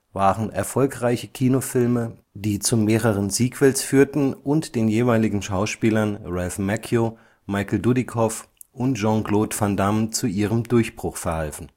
waren erfolgreiche Kinofilme, die zu mehreren Sequels führten und den jeweiligen Schauspielern Ralph Macchio, Michael Dudikoff und Jean-Claude Van Damme zu ihrem Durchbruch verhalfen